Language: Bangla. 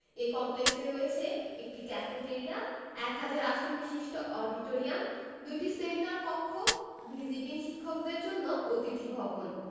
এ কমপ্লেক্সে রয়েছে একটি ক্যাফেটরিয়া এক হাজার আসনবিশিষ্ট অডিটোরিয়াম ২টি সেমিনার কক্ষ ভিজিটিং শিক্ষকদের জন্য অতিথি ভবন